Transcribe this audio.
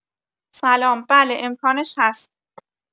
سلام بله امکانش هست.